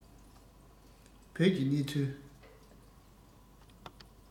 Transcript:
བོད ཀྱི གནས ཚུལ